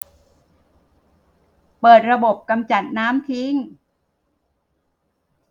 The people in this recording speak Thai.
เปิดระบบกำจัดน้ำทิ้ง